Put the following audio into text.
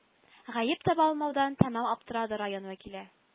Гаеп таба алмаудан тәмам аптырады район вәкиле